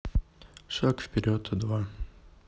шаг вперед два